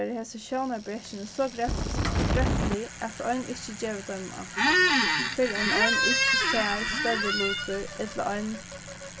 verða hesi sjónarbrekini so greflig at ein ikki gevur teimum ans fyrr enn ein ikki sær størri lutir ella ein